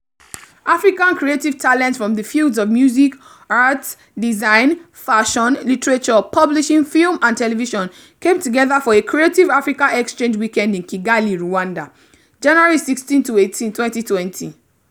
African creative talents from the fields of music, arts, design, fashion, literature, publishing, film and television came together for a Creative Africa Exchange Weekend in Kigali, Rwanda, January 16-18, 2020.